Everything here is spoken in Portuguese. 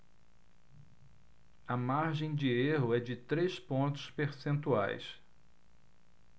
a margem de erro é de três pontos percentuais